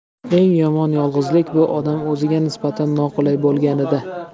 eng yomon yolg'izlik bu odam o'ziga nisbatan noqulay bo'lganida